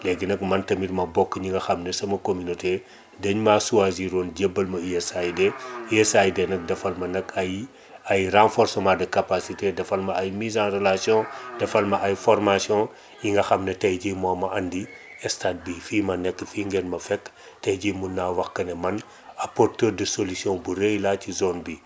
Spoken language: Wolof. léegi nag man tamit ma bokk ñi nga xam ne sama cummunauté dañ maa choisir roon jébbal ma USAID USAID nag defal ma nag ay ay renforcement de capacité defal ma ay mise en relation defal ma ay formation yi nga xam ne tey jii moo ma andi stade bii fii ma nekk fii ngeen ma fekk tey jii mën naa wax que ne man apporteur de solution bu rëy laa ci zone bii